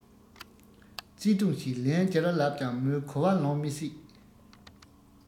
བརྩེ དུང ཞེས ལན བརྒྱར ལབ ཀྱང མོས གོ བ ལོན མི སྲིད